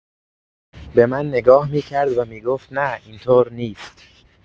به من نگاه می‌کرد و می‌گفت: نه این‌طور نیست.